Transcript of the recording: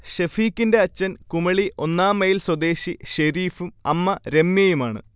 ഷഫീക്കിന്റെ അച്ഛൻ കുമളി ഒന്നാംമൈൽ സ്വദേശി ഷെരീഫും അമ്മ രമ്യയുമാണ്